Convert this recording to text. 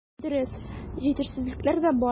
Дөрес, җитешсезлекләр дә бар.